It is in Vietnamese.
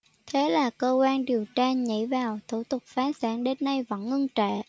thế là cơ quan điều tra nhảy vào thủ tục phá sản đến nay vẫn ngưng trệ